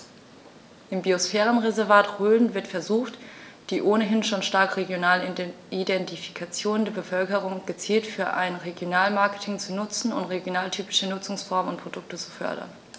Im Biosphärenreservat Rhön wird versucht, die ohnehin schon starke regionale Identifikation der Bevölkerung gezielt für ein Regionalmarketing zu nutzen und regionaltypische Nutzungsformen und Produkte zu fördern.